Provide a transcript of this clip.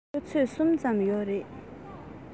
ཆུ ཚོད གསུམ ཙམ ཡོད རེད